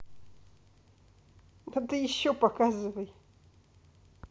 ну ты еще показывай